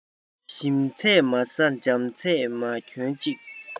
ཞིམ ཚད མ ཟ འཇམ ཚད མ གྱོན ཅིག